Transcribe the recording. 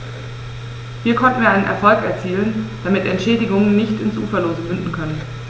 Hier konnten wir einen Erfolg erzielen, damit Entschädigungen nicht ins Uferlose münden können.